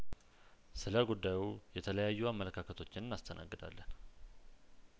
ስለጉዳዩ የተለያዩ አመለካከቶችን እናስተናግዳለን